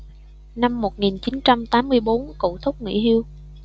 năm một nghìn chín trăm tám mươi bốn cụ thúc nghỉ hưu